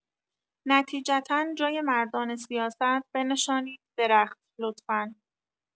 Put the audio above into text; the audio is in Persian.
نتیجتا جای مردان سیاست بنشانید درخت، لطفا.